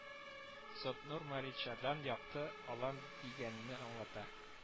Сотнур маричадан якты алан дигәнне аңлата